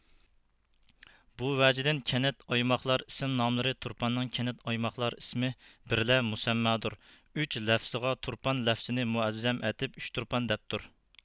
بۇ ۋەجىدىن كەنت ئايماقلار ئىسىم ناملىرى تۇرپاننىڭ كەنت ئايماقلار ئىسمى بىرلە مۇسەممادۇر ئۇچ لەفزىغا تۇرپان لەفزىنى مۇئەززەم ئەتىپ ئۈچتۇرپان دەپدۇر